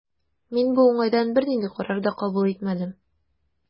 Мин бу уңайдан бернинди карар да кабул итмәдем.